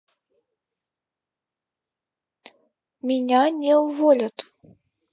меня не уволят